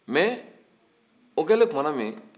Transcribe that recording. mais o kɛlen tumana min